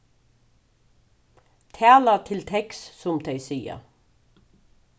tala til tekst sum tey siga